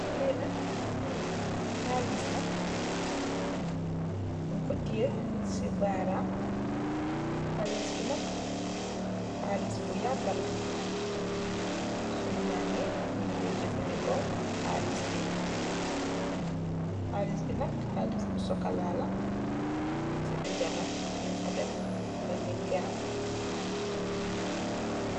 Li nak xaalis la mung ko tiye si baram xaalis bi nak xaalis bu yaga la suun ma'am yi nyu don jefendeko xaalis bi xaalis bi nak xaalis bu chocola la si diga nak nyung fa def lu melni gerte.